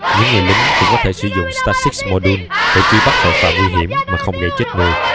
những người lính cũng có thể sử dụng stasis modules để truy bắt tội phạm nguy hiểm mà không gây chết người